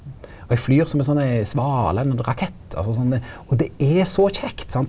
og eg flyr som ei sånn ei svale eller ein rakett altså sånn og det er så kjekt sant.